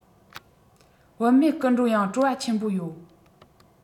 བུད མེད སྐུ མགྲོན ཡང སྤྲོ བ ཆེན པོ ཡོད